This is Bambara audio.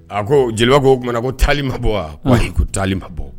A ko jeliba ko tumaumana na ko taali ma bɔ wa ko taali ma bɔ